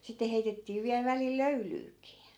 sitten heitettiin vielä välillä löylyäkin